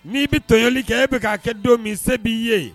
N'i bɛ tɔɲɔli kɛ e bɛ k'a kɛ don min se b'i ye